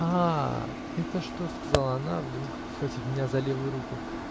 -- А это что, -- сказала она, вдруг схватив меня за левую руку.